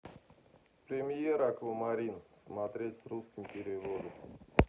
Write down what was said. премьера аквамарин смотреть с русским переводом